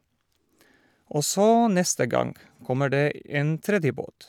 Og så, neste gang kommer det en tredje båt.